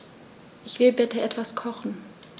Ich will bitte etwas kochen.